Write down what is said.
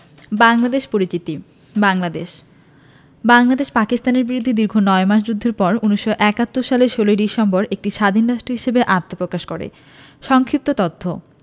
বাংলাদেশ পরিচিতি বাংলাদেশ বাংলাদেশ পাকিস্তানের বিরুদ্ধে দীর্ঘ নয় মাস যুদ্ধের পর ১৯৭১ সালের ১৬ ডিসেম্বর একটি স্বাধীন রাষ্ট্র হিসেবে আত্মপ্রকাশ করে সংক্ষিপ্ত তথ্য